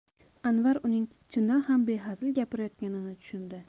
anvar uning chindan ham behazil gapirayotganini tushundi